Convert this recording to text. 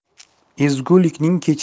ezgulikning kechi yo'q